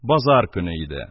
Базар көне иде.